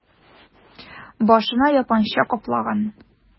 Башына япанча каплаган...